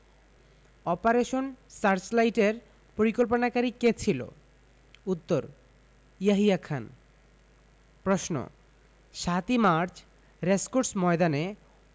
operation সার্চলাইটের পরিকল্পনাকারী কে ছিল উত্তর ইয়াহিয়া খান প্রশ্ন ৭ই মার্চ রেসকোর্স ময়দানে